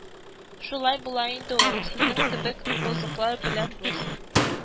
– шулай була инде ул, синең кебек бозыклар белән дус